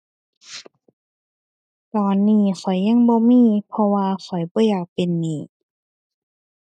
ตอนนี้ข้อยยังบ่มี เพราะว่าข้อยบ่อยากเป็นหนี้